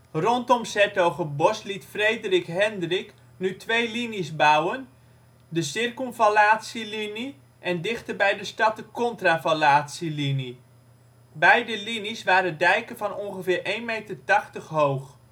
Rondom ' s-Hertogenbosch liet Frederik Hendrik nu twee linies bouwen: de circumvallatielinie en dichter bij de stad de Contravallatielinie. Beide linies waren dijken van ongeveer 1,80 meter hoog